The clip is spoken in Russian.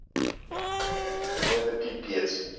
ну это пипец